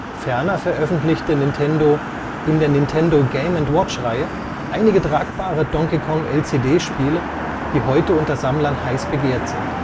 Ferner veröffentlichte Nintendo in der Nintendo Game & Watch-Reihe einige tragbare Donkey-Kong-LCD-Spiele, die heute unter Sammlern heiß begehrt sind